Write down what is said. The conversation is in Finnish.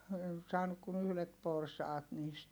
en saanut kuin yhdet porsaat niistä